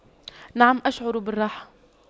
نعم أشعر بالراحة